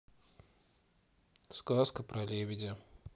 сказка про лебедя